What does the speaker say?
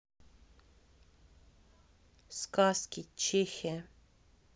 сказки чехия